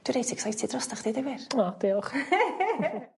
Dwi reit excited drostoch deud y gwir. O diolch.